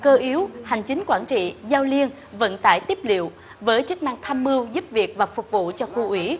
cơ yếu hành chính quản trị giao liên vận tải tiếp liệu với chức năng tham mưu giúp việc và phục vụ cho khu ủy